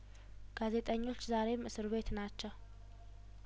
ጋዜጠኞች ዛሬም እስር ቤት ናቸው